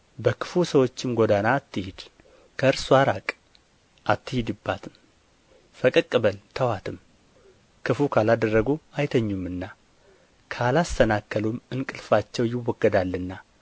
በክፉ ሰዎችም ጎዳና አትሂድ ከእርስዋ ራቅ አትሂድባትም ፈቀቅ በል ተዋትም ክፉ ካላደረጉ አይተኙምና ካላሰናከሉም እንቅልፋቸው ይወገዳልና